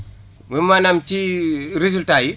mooy maanaam ci résultats yi